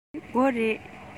འདི སྒོ རེད